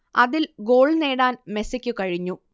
അതിൽ ഗോൾ നേടാൻ മെസ്സിക്ക് കഴിഞ്ഞു